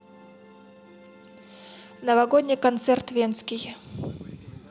новогодний концерт венский